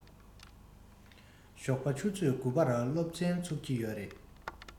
ཞོགས པ ཆུ ཚོད དགུ པར སློབ ཚན ཚུགས ཀྱི ཡོད རེད